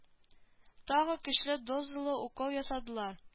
Тагы көчле дозалы укол ясадылар